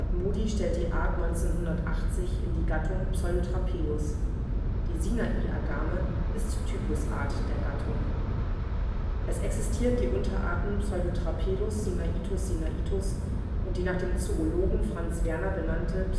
Moody stellt die Art 1980 in die Gattung Pseudotrapelus. Die Sinai-Agame ist Typusart der Gattung. Es existieren die Unterarten Pseudotrapelus sinaitus sinaitus (Heyden, 1827) und die nach dem Zoologen Franz Werner benannte